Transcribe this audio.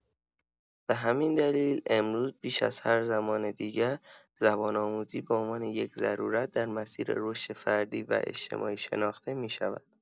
به همین دلیل، امروز بیش از هر زمان دیگر، زبان‌آموزی به عنوان یک ضرورت در مسیر رشد فردی و اجتماعی شناخته می‌شود.